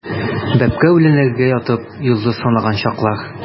Бәбкә үләннәргә ятып, йолдыз санаган чаклар.